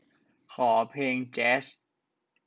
ขอเพลงแจ๊ส